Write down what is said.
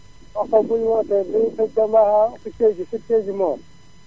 wax ko bu ñëwatee ***si Sédhiou si Sédhiou *